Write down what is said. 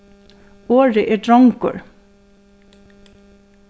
orðið er drongur